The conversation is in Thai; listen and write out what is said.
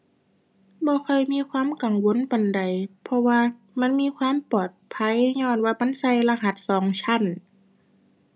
บ่ค่อยมีความกังวลปานใด เพราะว่ามันมีความปลอดภัย ญ้อนว่ามันใส่รหัสสองชั้น